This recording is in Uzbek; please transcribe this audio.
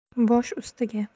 bosh ustiga